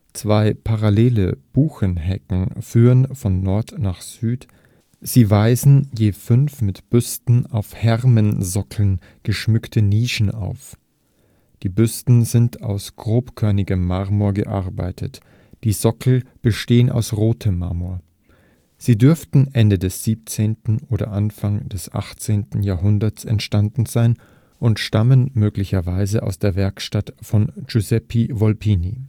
Zwei parallele Buchenhecken führen von Nord nach Süd, sie weisen je fünf mit Büsten auf Hermensockeln geschmückte Nischen auf. Die Büsten sind aus grobkörnigem Marmor gearbeitet, die Sockel bestehen aus rotem Marmor. Sie dürften Ende des 17. oder Anfang des 18. Jahrhunderts entstanden sein und stammen möglicherweise aus der Werkstatt von Giuseppe Volpini